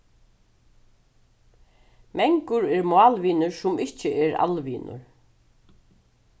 mangur er málvinur sum ikki er alvinur